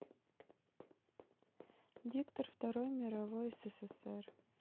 диктор второй мировой ссср